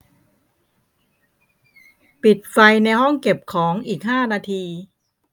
ปิดไฟในห้องเก็บของอีกห้านาที